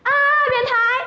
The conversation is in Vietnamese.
a